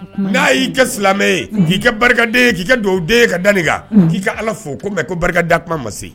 N'a y'i ka silamɛ ye k'i ka barikaden'i ka dugawu den ka da kan k'i ka ala fo ko mɛ ko barika da kuma ma se